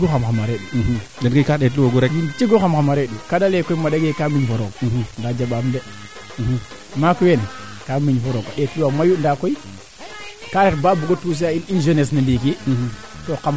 kaaga koy doxu bo dara waagate faax maaga ndaa o kamb nanga geñ yit geñ kaa jeg taux de brulure manaam kaa jeg qualité fee ando naye a fada nga maaga wariro waago kambin parce que a kamb na ngaan maaga kuuna ñoowa maaga ta ref keena jirñaa laŋ ke